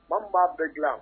Bamanan b'a bɛɛ dilan